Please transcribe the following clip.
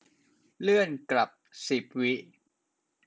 เลื่อนกลับสิบวิ